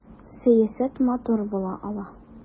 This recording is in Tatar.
Сәясәт матур була ала!